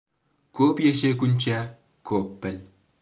ko'p yashaguncha ko'p bil